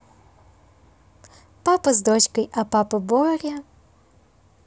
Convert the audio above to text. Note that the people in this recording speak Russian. папа с дочкой а папа боря